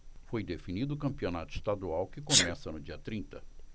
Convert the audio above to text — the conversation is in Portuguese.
foi definido o campeonato estadual que começa no dia trinta